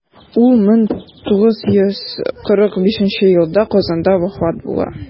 Ул 1945 елда Казанда вафат була.